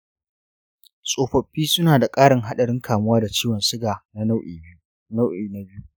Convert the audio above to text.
tsofaffi suna da ƙarin haɗarin kamuwa da ciwon suga na nau’i na biyu.